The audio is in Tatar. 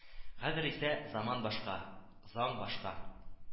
Хәзер исә, заман башка, заң башка